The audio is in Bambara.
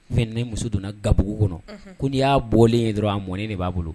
Fen muso donna gabugu kɔnɔ ko n'i y'a bɔlen dɔrɔn a mɔnɔni de b'a bolo